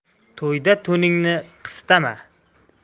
to'yda to'ningni qistama